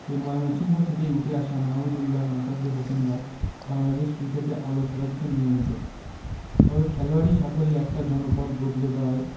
এ ময়মনসিংহ থেকেই উঠে আসা মাহমুদউল্লাহ মোসাদ্দেক হোসেনরা বাংলাদেশ ক্রিকেটে আলো ছড়াচ্ছেন নিয়মিত তবে খেলোয়াড়ি সাফল্যে একটা জনপদ বদলে দেওয়ায়